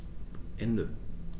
Ende.